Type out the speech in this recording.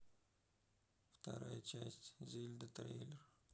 вторая часть зельды трейлер